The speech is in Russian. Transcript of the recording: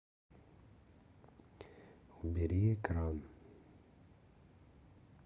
убери экран